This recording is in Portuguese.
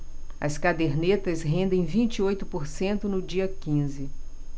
as cadernetas rendem vinte e oito por cento no dia quinze